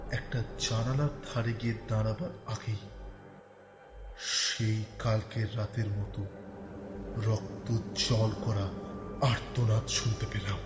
একটা জানালার ধারে গিয়ে দাঁড়াবার আগেই সেই কালকের রাতের মত রক্ত জল করা আর্তনাদ শুনতে পেলাম